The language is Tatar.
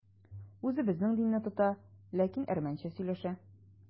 Үзе безнең динне тота, ләкин әрмәнчә сөйләшә.